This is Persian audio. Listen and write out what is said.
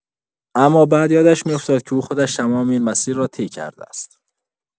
اما بعد یادش می‌افتاد که او خودش تمام این مسیر را طی کرده است.